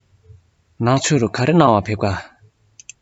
ནག ཆུར ག རེ གནང བར ཕེབས ཀ